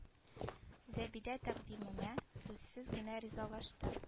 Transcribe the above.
Зәбидә тәкъдимемә сүзсез генә ризалашты